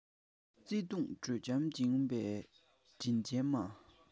བརྩེ དུང དྲོད འཇམ སྦྱིན པའི དྲིན ཅན མ